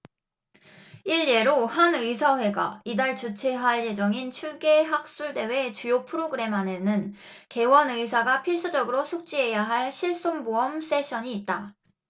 일례로 한 의사회가 이달 주최할 예정인 추계 학술대회 주요 프로그램 안에는 개원의사가 필수적으로 숙지해야 할 실손보험 세션이 있다